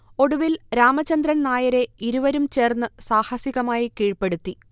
ഒടുവിൽ രാമചന്ദ്രൻ നായരെ ഇരുവരും ചേർന്നു സാഹസികമായി കീഴ്പെടുത്തി